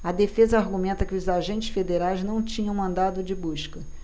a defesa argumenta que os agentes federais não tinham mandado de busca